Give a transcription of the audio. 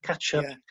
...catch up. Ia